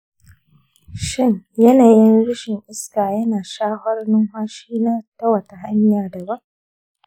shin yanayin rishin iska yana shafar numfashina ta wata hanya daban?